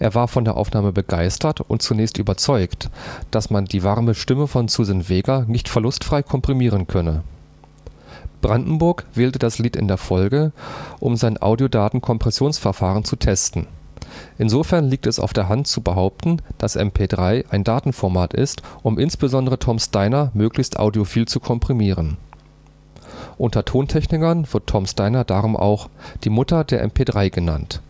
war von der Aufnahme begeistert und zunächst überzeugt, dass man die warme Stimme von Suzanne Vega nicht verlustfrei komprimieren könne. Brandenburg wählte das Lied in der Folge, um sein Audiodatenkompressionsverfahren zu testen. Insofern liegt es auf der Hand zu behaupten, dass MP3 ein Datenformat ist, um insbesondere Tom’ s Diner möglichst audiophil zu komprimieren. Unter Tontechnikern wird Tom’ s Diner darum auch „ die Mutter der MP3 “genannt